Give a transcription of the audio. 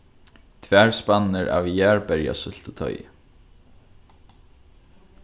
tvær spannir av jarðberjasúltutoyi